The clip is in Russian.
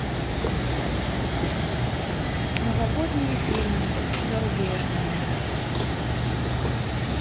новогодние фильмы зарубежные